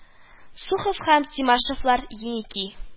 Сухов һәм Тимашевлар, Еники